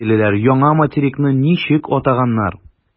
Голландиялеләр яңа материкны ничек атаганнар?